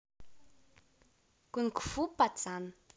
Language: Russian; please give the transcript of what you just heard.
кунг фу пацан